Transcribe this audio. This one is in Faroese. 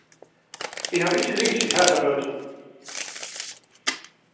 eg havi ikki lisið hasa bókina